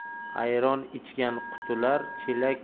ayron ichgan qutular